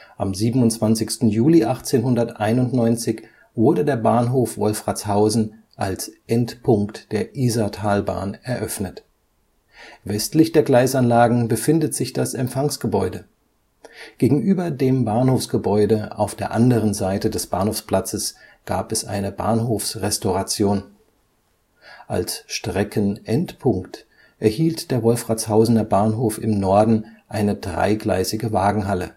Am 27. Juli 1891 wurde der Bahnhof Wolfratshausen als Endpunkt der Isartalbahn eröffnet. Westlich der Gleisanlagen befindet sich das Empfangsgebäude. Gegenüber dem Bahnhofsgebäude auf der anderen Seite des Bahnhofsplatzes gab es eine Bahnhofsrestauration. Als Streckenendpunkt erhielt der Wolfratshausener Bahnhof im Norden eine dreigleisige Wagenhalle